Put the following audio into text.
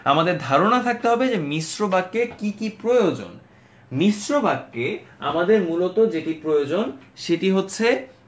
আমাদের ধারণা থাকতে হবে যে মিশ্র বাক্যে কি কি প্রয়োজন মিশ্র বাক্যে আমাদের মূলত যেটি প্রয়োজন সেটি হচ্ছে মিশ্র বাক্যে আমাদের যেটি প্রয়োজন সেটি হচ্ছে